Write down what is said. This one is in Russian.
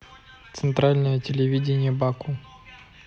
центральное телевидение баку